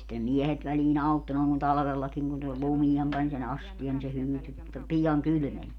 sitten ne miehet väliin auttoi noin kun talvellakin kun se lumeen pani sen astian niin se hyytyi pian kylmeni